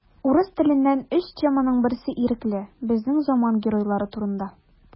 Урыс теленнән өч теманың берсе ирекле: безнең заман геройлары турында.